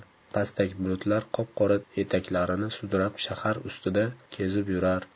pastak bulutlar qop qora etaklarini sudrab shahar ustida kezib yurar